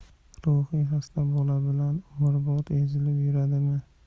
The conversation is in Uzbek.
ruhiy xasta bola bilan umrbod ezilib yuradimi